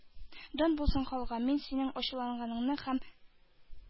— дан булсын ханга, мин синең ачуланачагыңны һәм